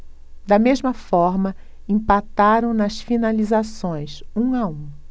da mesma forma empataram nas finalizações um a um